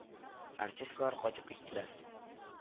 Артисткалар кайтып киттеләр